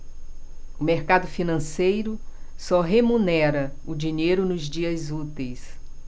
o mercado financeiro só remunera o dinheiro nos dias úteis